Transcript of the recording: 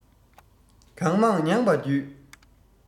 གང མང མྱངས པ བརྒྱུད